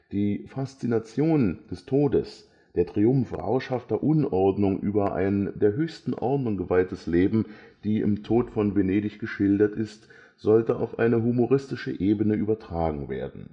Die Faszination des Todes, der Triumph rauschhafter Unordnung über ein der höchsten Ordnung geweihtes Leben, die im Tod in Venedig geschildert ist, sollte auf eine humoristische Ebene übertragen werden